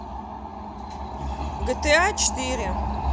гта четыре